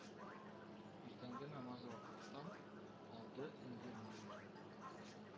Иртәнге намаз вакытта таң алды эңгер-меңгере